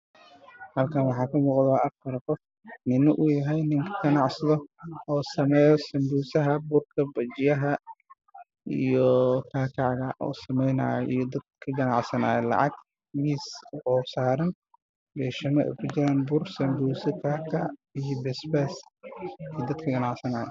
Halkan waxa ka muqada afar qof mid u yahy ganacsade sanbus iyo bur kakac u sameyna iyo dad ka gancsanhy lacag sambuse. bure iyo kakac